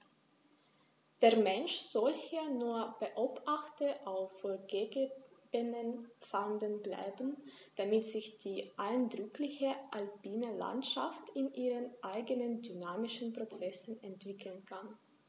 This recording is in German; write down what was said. Der Mensch soll hier nur Beobachter auf vorgegebenen Pfaden bleiben, damit sich die eindrückliche alpine Landschaft in ihren eigenen dynamischen Prozessen entwickeln kann.